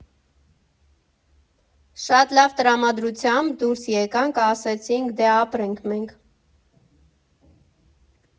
Շատ լավ տրամադրությամբ դուրս եկանք, ասեցինք՝ դե ապրենք մենք։